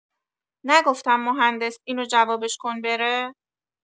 نگفتم مهندس اینو جوابش کن بره؟